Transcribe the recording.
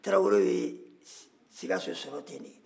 taarawelew ye sikaso sɔrɔ ten de